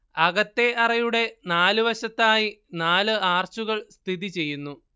അകത്തേ അറയുടെ നാലു വശത്തായി നാലു ആർച്ചുകൾ സ്ഥിതി ചെയ്യുന്നു